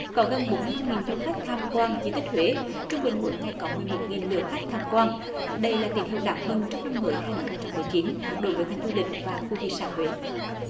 có gần bốn mươi lăm nghìn du khách tham quan di tích huế trung bình mỗi ngày có mười một nghìn lượt khách tham quan đây là tín hiệu đáng mừng trong năm mới hai nghìn không trăm mười chín đối với ngành du lịch và khu di sản huế